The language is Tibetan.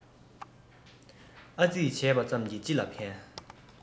ཨ ཙི བྱས པ ཙམ གྱིས ཅི ལ ཕན